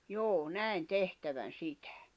juu näin tehtävän sitä